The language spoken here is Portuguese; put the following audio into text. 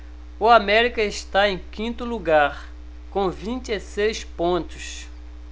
o américa está em quinto lugar com vinte e seis pontos